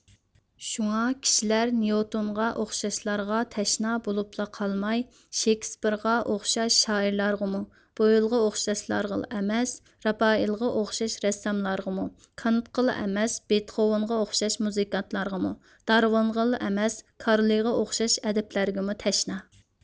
شۇڭا كىشىلەر نيۇتونغا ئوخشاشلارغا تەشنا بولۇپلا قالماي شېكىسپېرغا ئوخشاش شائىرلارغىمۇ بويىلغا ئوخشاشلارغىلا ئەمەس راپائېلغا ئوخشاش رەسساملارغىمۇ كانتقىلا ئەمەس بېتخوۋېنغا ئوخشاش مۇزىكانتلارغىمۇ دارۋېنغىلا ئەمەس كارلىلىغا ئوخشاش ئەدىبلەرگىمۇ تەشنا